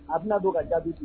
A bɛna don ka jaabi di